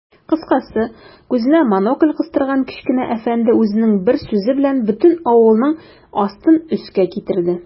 Кыскасы, күзенә монокль кыстырган кечкенә әфәнде үзенең бер сүзе белән бөтен авылның астын-өскә китерде.